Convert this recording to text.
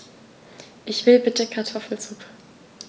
Ich will bitte Kartoffelsuppe.